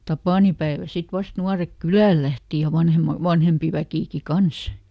tapaninpäivällä sitten vasta nuoret kylälle lähti ja vanhemmat vanhempi väkikin kanssa